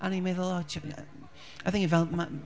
a o'n i'n meddwl "O ti'n...". Y thing yw fel ma-